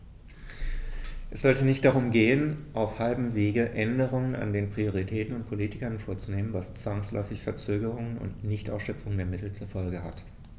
Es sollte nicht darum gehen, auf halbem Wege Änderungen an den Prioritäten und Politiken vorzunehmen, was zwangsläufig Verzögerungen und Nichtausschöpfung der Mittel zur Folge hat.